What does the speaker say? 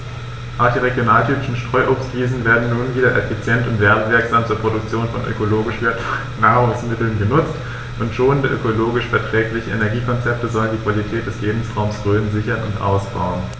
Auch die regionaltypischen Streuobstwiesen werden nun wieder effizient und werbewirksam zur Produktion von ökologisch wertvollen Nahrungsmitteln genutzt, und schonende, ökologisch verträgliche Energiekonzepte sollen die Qualität des Lebensraumes Rhön sichern und ausbauen.